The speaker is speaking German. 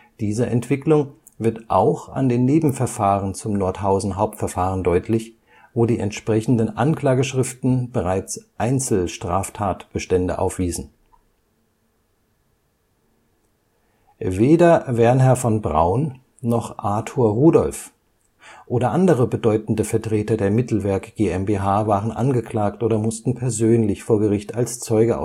Diese Entwicklung wird auch an den Nebenverfahren zum Nordhausen-Hauptverfahren deutlich, wo die entsprechenden Anklageschriften bereits Einzelstraftatbestände aufwiesen. Weder Wernher von Braun noch Arthur Rudolph oder andere bedeutende Vertreter der Mittelwerk GmbH waren angeklagt oder mussten persönlich vor Gericht als Zeuge